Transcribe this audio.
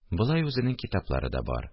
Болай үзенең китаплары да бар